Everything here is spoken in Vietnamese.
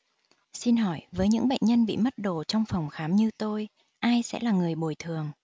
xin hỏi với những bệnh nhân bị mất đồ trong phòng khám như tôi ai sẽ là người bồi thường